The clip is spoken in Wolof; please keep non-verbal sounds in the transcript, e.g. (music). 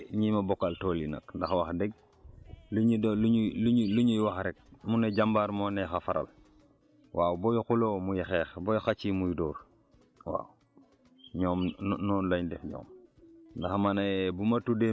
waaw wax dëgg di sant (hesitation) ñi ma bokkal tool yi nag ndaxwax dëgg li ñu doon lu ñu lu ñuy wax rek mu ne jàmbaar moo neex a faral waaw booy xulóo muy xeex booy xàcc muy dóor waaw ñoom noonu lañ def ñoom